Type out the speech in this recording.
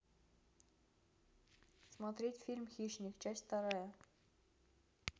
смотреть фильм хищник часть вторая